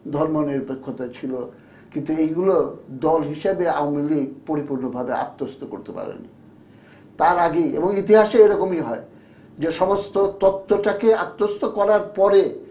ধর্মনিরপেক্ষতা ছিল কিন্তু এই গুলো দল হিসেবে আওয়ামী লীগ পরিপূর্ণভাবে আত্মস্থ করতে পারে নি তার আগেই এবং ইতিহাসে এরকমই হয় সমস্ত তথ্য টা কে আত্মস্থ করার পরে